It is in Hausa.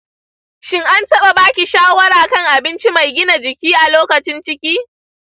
shin an taɓa ba ki shawara kan abinci mai gina jiki a lokacin ciki?